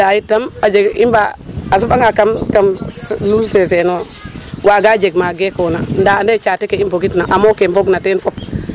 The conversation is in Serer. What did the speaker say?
Ndaa itam a jeg a soɓanga kam kam Lul seseen no waaga jeg ma geekoona ndaa anda yee caate ke i mbogitna amo ke mbogna teen fop .